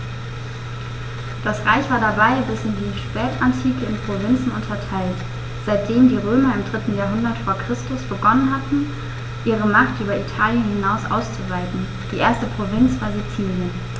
Das Reich war dabei bis in die Spätantike in Provinzen unterteilt, seitdem die Römer im 3. Jahrhundert vor Christus begonnen hatten, ihre Macht über Italien hinaus auszuweiten (die erste Provinz war Sizilien).